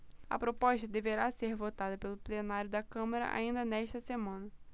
a proposta deverá ser votada pelo plenário da câmara ainda nesta semana